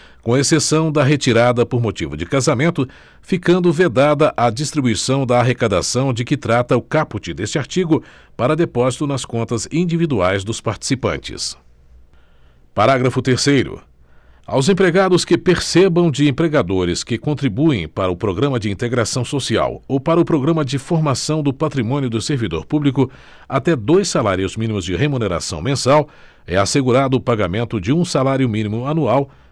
com exceção da retirada por motivo de casamento ficando vedada a distribuição da arrecadação de que trata o caput deste artigo para depósito nas contas individuais dos participantes parágrafo terceiro aos empregados que percebam de empregadores que contribuem para o programa de integração social ou para o programa de formação do patrimônio do servidor público até dois salários mínimos de remuneração mensal é assegurado o pagamento de um salário mínimo anual